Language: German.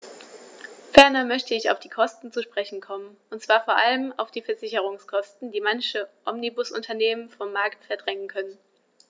Ferner möchte ich auf die Kosten zu sprechen kommen, und zwar vor allem auf die Versicherungskosten, die manche Omnibusunternehmen vom Markt verdrängen könnten.